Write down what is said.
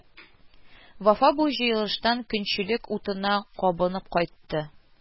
Вафа бу җыелыштан көнчелек утына кабынып кайтты